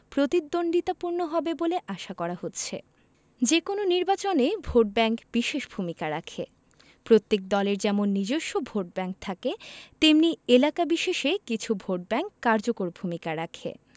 প্রতিদ্বন্দ্বিতাপূর্ণ হবে বলে আশা করা হচ্ছে যেকোনো নির্বাচনে ভোটব্যাংক বিশেষ ভূমিকা রাখে প্রত্যেক দলের যেমন নিজস্ব ভোটব্যাংক থাকে তেমনি এলাকা বিশেষে কিছু ভোটব্যাংক কার্যকর ভূমিকা রাখে